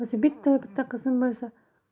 o'zi bittayu bitta qizim bo'lsa